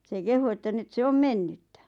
se kehui että nyt se on mennyttä